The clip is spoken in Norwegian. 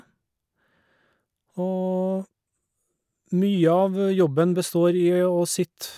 Og mye av jobben består i å sitte.